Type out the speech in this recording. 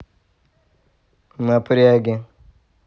напряги